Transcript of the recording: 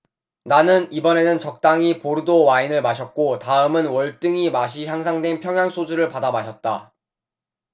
나는 이번에는 적당히 보르도 와인을 마셨고 다음은 월등히 맛이 향상된 평양 소주를 받아 마셨다